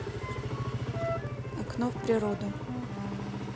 окно в природу